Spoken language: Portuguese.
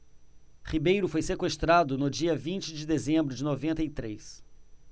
ribeiro foi sequestrado no dia vinte de dezembro de noventa e três